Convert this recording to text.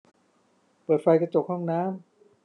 เปิดไฟกระจกห้องน้ำ